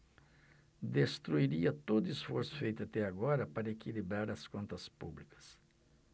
destruiria todo esforço feito até agora para equilibrar as contas públicas